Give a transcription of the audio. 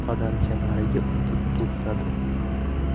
qadamcha nariga o'tib to'xtadi